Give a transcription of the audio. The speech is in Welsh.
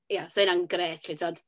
Ia, 'sa hynna'n grêt 'lly, tibod.